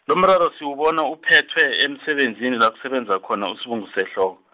lomraro siwubona uphethwe, emsebenzini la kusebenza khona uSibungusehloko.